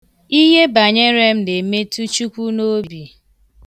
Ihe banyere m na-emetu Chukwu n' obi.